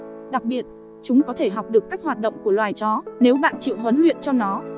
đặc biệt chúng có thể học được các hoạt động của loài chó nếu bạn chịu huấn luyện cho nó